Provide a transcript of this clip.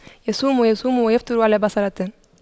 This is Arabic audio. يصوم يصوم ويفطر على بصلة